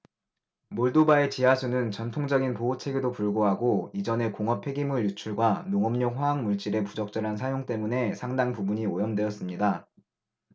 몰도바의 지하수는 전통적인 보호책에도 불구하고 이전의 공업 폐기물 유출과 농업용 화학 물질의 부적절한 사용 때문에 상당 부분이 오염되었습니다